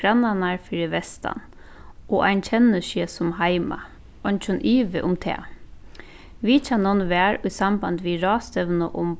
grannarnar fyri vestan og ein kennir seg sum heima eingin ivi um tað vitjanin var í sambandi við ráðstevnu um